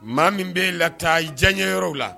Maa min bɛ la taa diyaɲɛ yɔrɔ la